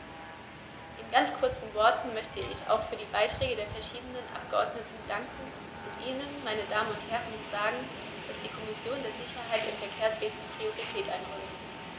In ganz kurzen Worten möchte ich auch für die Beiträge der verschiedenen Abgeordneten danken und Ihnen, meine Damen und Herren, sagen, dass die Kommission der Sicherheit im Verkehrswesen Priorität einräumt.